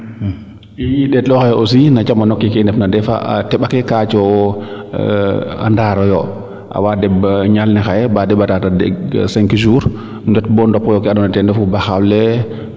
i ndeet loxa ye aussi no camano keke i ndef na ndef a teɓake kaa yaaco a ndaaro yo awa deɓ ñaal ne xaye baa te deɓataa cinq jours ndet bo ndokoyo no kee ando naye ten refu baxaaw le